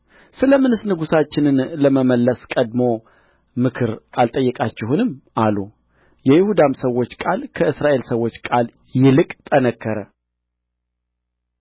ስለ ምንስ ንጉሣችንን ለመመለስ ቀድሞ ምክር አልጠየቃችሁንም አሉ የይሁዳም ሰዎች ቃል ከእስራኤል ሰዎች ቃል ይልቅ ጠነከረ